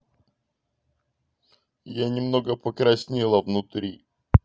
я немного покраснела внутри